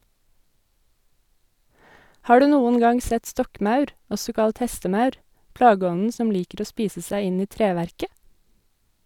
Har du noen gang sett stokkmaur, også kalt hestemaur, plageånden som liker å spise seg inn i treverket?